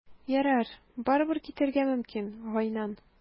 Ярар, барыбер, китәргә мөмкин, Гайнан.